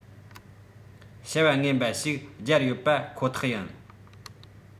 བྱ བ ངན པ ཞིག སྦྱར ཡོད པ ཁོ ཐག ཡིན